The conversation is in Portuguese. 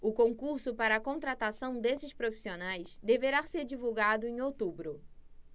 o concurso para contratação desses profissionais deverá ser divulgado em outubro